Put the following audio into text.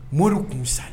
Mori de tun sa